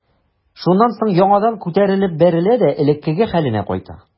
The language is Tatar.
Шуннан соң яңадан күтәрелеп бәрелә дә элеккеге хәленә кайта.